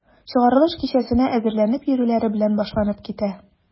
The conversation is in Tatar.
Чыгарылыш кичәсенә әзерләнеп йөрүләре белән башланып китә.